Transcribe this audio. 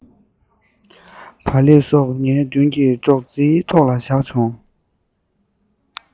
བག ལེབ སོགས ངའི མདུན གྱི སྒྲོག ཙེའི ཐོག ལ བཞག བྱུང